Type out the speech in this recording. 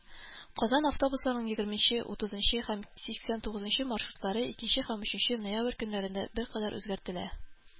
Казан автобусларының егерменче, утызынчы һәм сиксән тугызынчы маршрутлары икенче һәм өченче ноябрь көннәрендә беркадәр үзгәртелә.